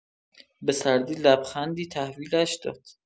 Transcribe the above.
به سردی لبخندی تحویلش داد.